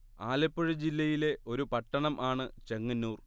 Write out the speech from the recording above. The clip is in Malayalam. ആലപ്പുഴ ജില്ലയിലെ ഒരു പട്ടണം ആണ് ചെങ്ങന്നൂർ